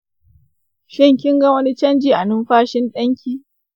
shin kinga wani chanji a numfashin danki?